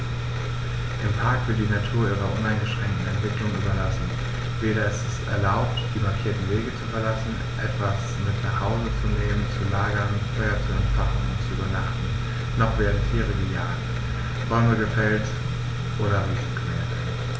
Im Park wird die Natur ihrer uneingeschränkten Entwicklung überlassen; weder ist es erlaubt, die markierten Wege zu verlassen, etwas mit nach Hause zu nehmen, zu lagern, Feuer zu entfachen und zu übernachten, noch werden Tiere gejagt, Bäume gefällt oder Wiesen gemäht.